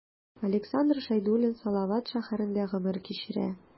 Александр Шәйдуллин Салават шәһәрендә гомер кичерә.